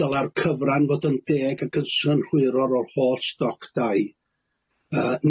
dyla'r cyfran fod yn deg ac yn synhwyrol o'r holl stoc dai yy